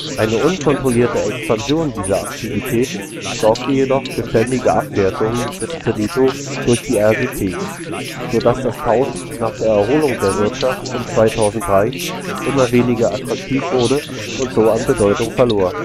Eine unkontrollierte Expansion dieser Aktivität sorgte jedoch für ständige Abwertungen des Crédito durch die RGT, so dass das Tauschen nach der Erholung der Wirtschaft um 2003 immer weniger attraktiv wurde und so an Bedeutung verlor